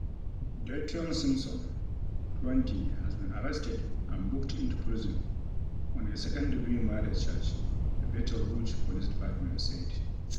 Dyteon Simpson, 20, has been arrested and booked into prison on a second-degree murder charge, the Baton Rouge Police Department said.